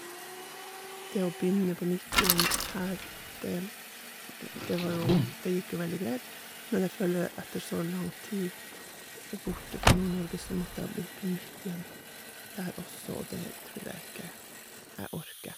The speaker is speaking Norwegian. Det å begynne på nytt igjen her, det det var jo det gikk jo veldig greit Men jeg føler etter så lang tid borte fra Nord-Norge så måtte jeg ha begynt på nytt igjen der også, og det tror jeg ikke jeg orker.